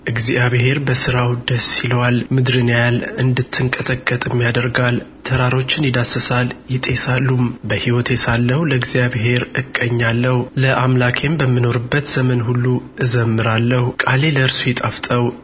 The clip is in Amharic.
እግዚአብሔር በሥራው ደስ ይለዋል ምድርን ያያል እንድትንቀጠቀጥም ያደርጋል ተራሮችን ይዳስሳል ይጤሳሉም በሕይወቴ ሳለሁ ለእግዚአብሔር እቀኛለሁ ለአምላኬም በምኖርበት ዘመን ሁሉ እዘምራለሁ ቃሌ ለእርሱ ይጣፍጠው